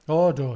O, do.